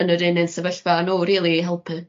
yn yr un un sefyllfa â n'w rili i helpu.